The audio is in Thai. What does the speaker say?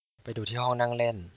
ไปดูที่ห้องนั่งเล่น